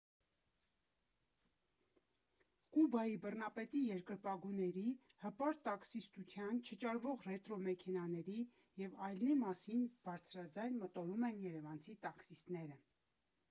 Կուբայի բռնապետի երկրպագուների, հպարտ տաքսիստության, չճարվող ռետրո֊մեքենաների և այլնի մասին բարձրաձայն մտորում են երևանցի տաքսիստներըր։